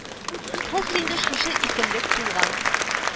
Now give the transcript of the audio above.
Хәзер инде шушы исемлек тулган